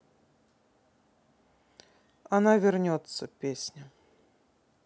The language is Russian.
она вернется песня